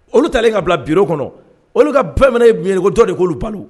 Olu talen ka bila bi kɔnɔ olu ka bamanan mi ko dɔ de'olu balo